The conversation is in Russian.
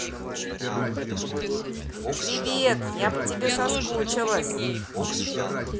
привет я по тебе соскучилась